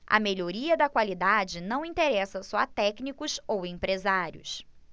a melhoria da qualidade não interessa só a técnicos ou empresários